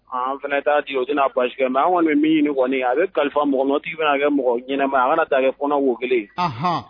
Fana taa ci o tɛna n'a basi mɛ an kɔni min ɲini niɔni a bɛ kalifa mɔgɔɔgɔn tigi bɛna kɛ mɔgɔ ɲ ɲɛnama a mana daga kɔnɔ wo kelen